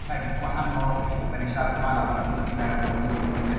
llefydd gwahanol 'da ni'n siarad y fana pam ma' n'w'n dod i fewn i'r Mudiad